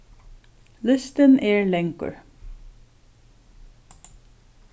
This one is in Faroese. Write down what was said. listin er langur